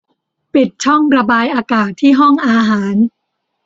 ปิดช่องระบายอากาศที่ห้องอาหาร